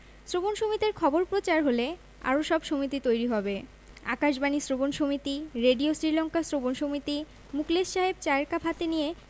শ্রবণ সমিতির খবর প্রচার হলে আরো সব সমিতি তৈরি হবে আকাশবাণী শ্রবণ সমিতি রেডিও শীলংকা শ্রবণ সমিতি মুখলেস সাহেব চায়ের কাপ হাতে নিয়ে